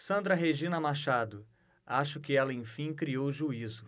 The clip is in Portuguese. sandra regina machado acho que ela enfim criou juízo